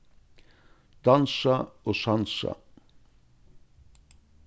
dansa og sansa